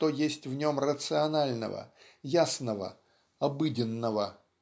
что есть в нем рационального ясного обыденного